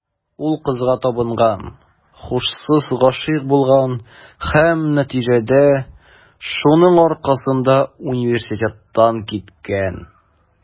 Ул кызга табынган, һушсыз гашыйк булган һәм, нәтиҗәдә, шуның аркасында университеттан киткән.